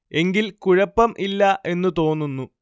എങ്കിൽ കുഴപ്പം ഇല്ല എന്നു തോന്നുന്നു